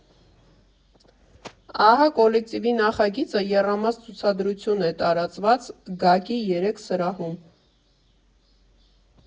ԱՀԱ կոլեկտիվի նախագիծը եռամաս ցուցադրություն է՝ տարածված ԳԱԿ֊ի երեք սրահում։